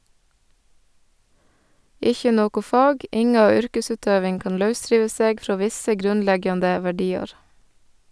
Ikkje noko fag, inga yrkesutøving, kan lausrive seg frå visse grunnleggjande verdiar.